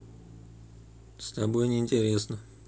с тобой не интересно